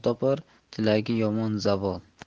topar tilagi yomon zavol